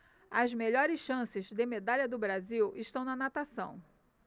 as melhores chances de medalha do brasil estão na natação